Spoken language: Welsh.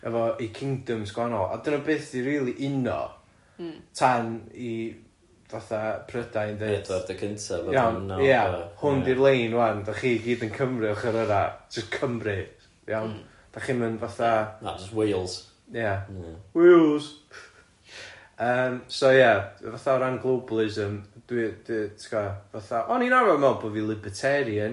efo eu kingdoms gwahanol ond 'dyn nhw byth 'di rili uno tan i fatha Prydain ddeud... Edward y Cyntaf ...iawn ia hwn di'r lein ŵan 'dach chi i gyd yn Cymru ochr yr yna jyst Cymru iawn 'dach chi'm yn fatha... Na jyst Wales... ie Wa-les yym so ie fatha o ran globalism dwi dwi ti'bod fatha o'n i'n arfar a meddwl bo' fi'n Libertarian